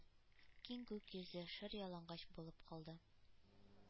Киң күк йөзе шыр-ялангач булып калды,